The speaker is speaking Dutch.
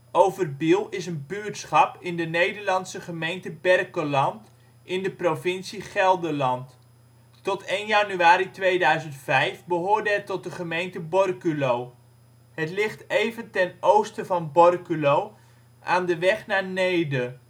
Overbiel is een buurtschap in de Nederlandse gemeente Berkelland in de provincie Gelderland. Tot 1 januari 2005 behoorde het tot de gemeente Borculo. Het ligt even ten oosten van Borculo aan de weg naar Neede